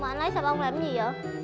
anh lấy xà bông làm cái gì dợ